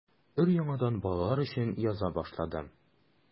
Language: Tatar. Өр-яңадан балалар өчен яза башлады.